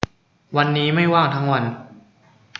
วันนี้ไม่ว่างทั้งวัน